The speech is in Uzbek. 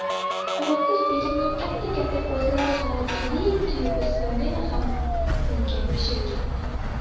qorako'z begimning katta katta ko'zlari xavotirlik to'yg'usidan yana ham ulkanlashib ketdi